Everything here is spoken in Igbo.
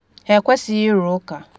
Ha ekwesịghị ịrụ ụka.